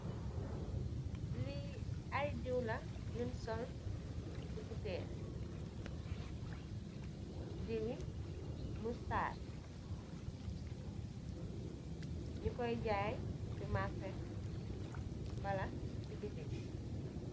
Lii ay diw la, yuñg sol si butel. Diwi murtad, ñu kooy jaay si marse Wala si bitik.